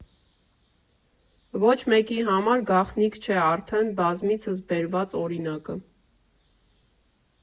Ոչ մեկի համար գաղտնիք չէ արդեն բազմիցս բերված օրինակը.